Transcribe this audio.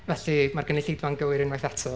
Felly, ma'r gynulleidfa'n gywir unwaith eto.